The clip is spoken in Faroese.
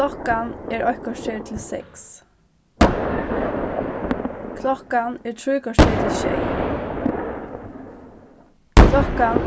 klokkan er eitt korter til seks klokkan er trý korter til sjey klokkan